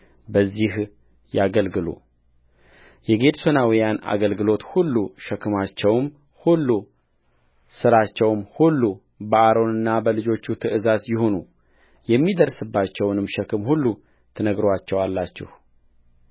በዚህ ያገልግሉየጌድሶናውያን አገልግሎት ሁሉ ሸክማቸውም ሁሉ ሥራቸውም ሁሉ በአሮንና በልጆቹ ትእዛዝ ይሁን የሚደርስባቸውንም ሸክም ሁሉ ትነግሩአቸዋላችሁ